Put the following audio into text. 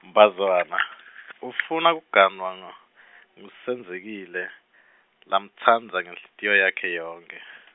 Mbazwana, ufuna kuganwa , nguSenzekile, lamtsandza ngenhlitiyo yakhe yonkhe.